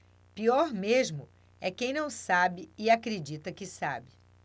pior mesmo é quem não sabe e acredita que sabe